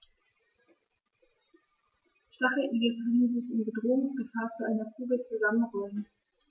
Stacheligel können sich im Bedrohungsfall zu einer Kugel zusammenrollen.